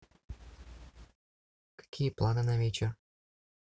какие планы на вечер